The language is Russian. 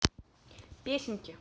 песенки